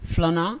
Filanan